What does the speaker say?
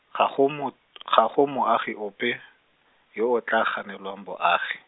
ga go mot-, ga go moagi ope, yo o tla ganelwang boagi.